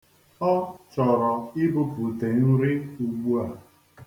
Ọ chọrọ ibupute nri ugbua.